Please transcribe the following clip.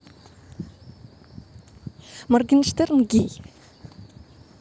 моргенштерн гей